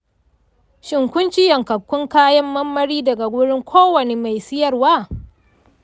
shin kun ci yankakkun kayan marmari daga wurin kowane mai siyarwa?